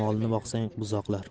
molni boqsang buzoqlar